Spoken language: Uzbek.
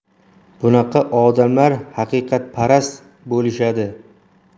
bunaqa odamlar haqiqatparast bo'lishadi